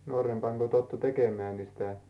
nuorempana kun tottui tekemään niin sitä